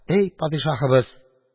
Эй падишаһыбыз!